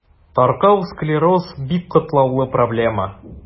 Таркау склероз – бик катлаулы проблема.